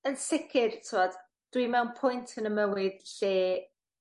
Yn sicir t'wod dwi mewn pwynt yn 'ym mywyd lle